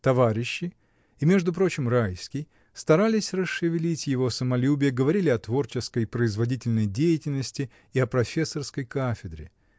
Товарищи, и между прочим Райский, старались расшевелить его самолюбие, говорили о творческой, производительной деятельности и о профессорской кафедре.